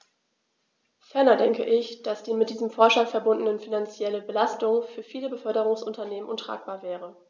Ferner denke ich, dass die mit diesem Vorschlag verbundene finanzielle Belastung für viele Beförderungsunternehmen untragbar wäre.